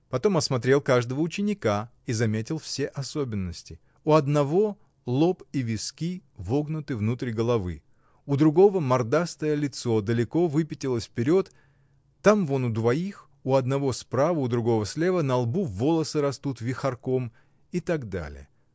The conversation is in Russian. Потом осмотрел каждого ученика и заметил все особенности: у одного лоб и виски вогнуты внутрь головы, у другого мордастое лицо далеко выпятилось вперед, там вон у двоих, у одного справа, у другого слева, на лбу волосы растут вихорком и т. д.